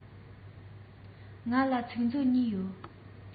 ང ལ ཚིག མཛོད གཉིས ཡོད